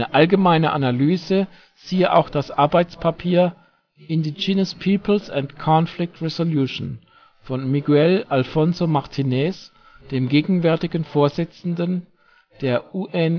allgemeine Analyse siehe auch das Arbeitspapier Indigenous Peoples and Conflict Resolution von Miguel Alfonso Martínez, dem gegenwärtigen Vorsitzenden der UNWGIP